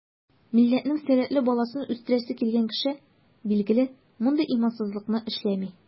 Милләтнең сәләтле баласын үстерәсе килгән кеше, билгеле, мондый имансызлыкны эшләми.